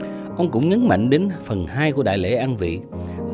ông cũng nhấn mạnh đến phần hai của đại lễ an vị